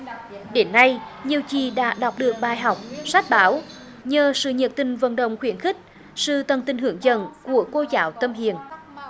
đến nay nhiều chị đã đọc được bài học sách báo nhờ sự nhiệt tình vận động khuyến khích sự tận tình hướng dẫn của cô giáo tâm hiền